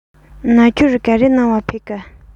ནག ཆུར ག རེ གནང བར ཕེབས ཀ